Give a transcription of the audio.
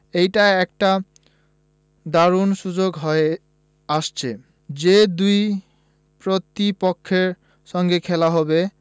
এটা একটা দারুণ সুযোগ হয়ে আসছে যে দুই প্রতিপক্ষের সঙ্গে খেলা হবে